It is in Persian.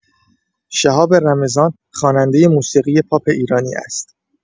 شهاب رمضان خواننده موسیقی پاپ ایرانی است.